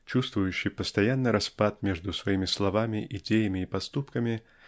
чувствующий постоянный разлад между своими словами идеями и поступками